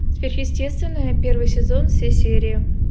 сверхъестественное первый сезон все серии